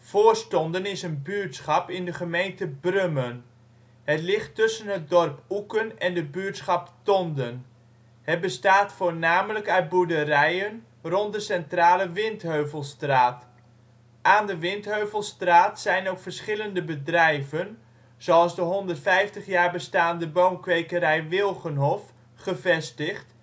Voorstonden is een buurtschap in de gemeente Brummen. Het ligt tussen het dorp Oeken en de buurtschap Tonden. Het bestaat voornamelijk uit boerderijen rond de centrale Windheuvelstraat. Aan de Windheuvelstraat zijn ook verschillende bedrijven, zoals de 150 jaar bestaande boomkwekerij Wilgenhof gevestigd